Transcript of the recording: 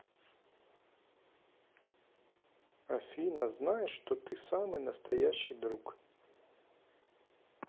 афина знаешь что ты самый настоящий друг